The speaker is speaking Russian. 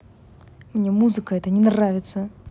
мне muzyka это не нравится